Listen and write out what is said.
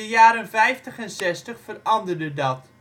jaren vijftig en zestig veranderde dat